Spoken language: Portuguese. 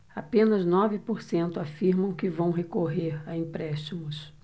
apenas nove por cento afirmam que vão recorrer a empréstimos